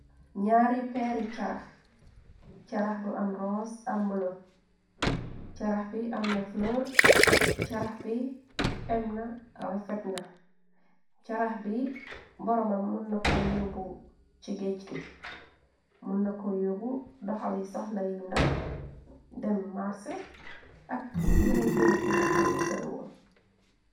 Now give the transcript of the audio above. Njaari peeri charax, charax bu am ross, am bulo, charax bi amna fleur, charax bi amna rafetna, charax bi boroh mam munako yóbbu ci géej gi, munako yóbbu doxal yi soxla yu ndaw dem màrsé ak yeneen berëb yi nga xamne soriwol.